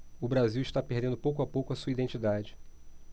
o brasil está perdendo pouco a pouco a sua identidade